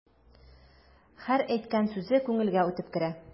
Һәр әйткән сүзе күңелгә үтеп керә.